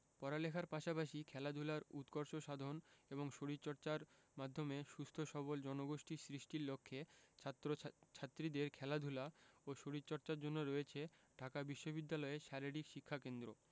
পড়ালেখার পাশাপাশি খেলাধুলার উৎকর্ষ সাধন এবং শরীরচর্চার মাধ্যমে সুস্থ সবল জনগোষ্ঠী সৃষ্টির লক্ষ্যে ছাত্র ছাত্রীদের খেলাধুলা ও শরীরচর্চার জন্য রয়েছে ঢাকা বিশ্ববিদ্যালয়ে শারীরিক শিক্ষাকেন্দ্র